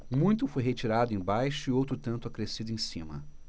muito foi retirado embaixo e outro tanto acrescido em cima